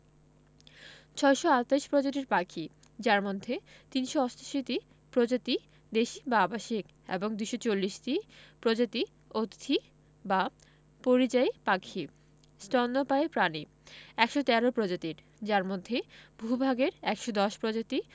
৬২৮ প্রজাতির পাখি যার মধ্যে ৩৮৮টি প্রজাতি দেশী বা আবাসিক এবং ২৪০ টি প্রজাতি অতিথি বা পরিযায়ী পাখি স্তন্যপায়ী প্রাণী ১১৩ প্রজাতির যার মধ্যে ভূ ভাগের ১১০ প্রজাতি